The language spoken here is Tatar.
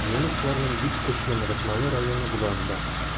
Немецларның бик көчле ныгытмалы районы була анда.